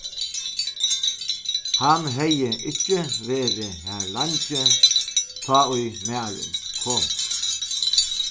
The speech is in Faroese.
hann hevði ikki verið har leingi tá ið marin kom